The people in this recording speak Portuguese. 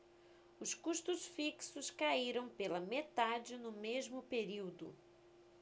os custos fixos caíram pela metade no mesmo período